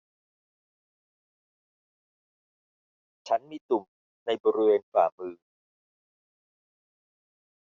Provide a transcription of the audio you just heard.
ฉันมีตุ่มในบริเวณฝ่ามือ